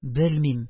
Белмим,